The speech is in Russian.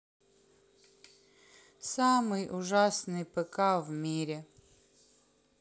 самый ужасный пк в мире